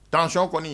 Taac kɔni